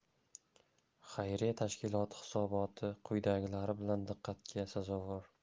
xayriya tashkiloti hisoboti quyidagilari bilan diqqatga sazovor